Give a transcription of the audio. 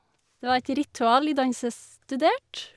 Det var et ritual i dans jeg studerte.